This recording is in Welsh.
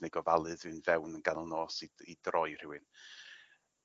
neu gofalydd fynd fewn yn ganol nos i d- i droi rhywun.